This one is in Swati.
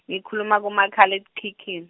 ngikhuluma kumakhalekhikhin-.